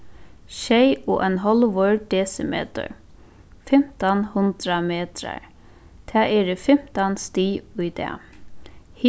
sjey og ein hálvur desimetur fimtan hundrað metrar tað eru fimtan stig í dag